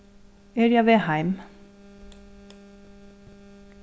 eg eri á veg heim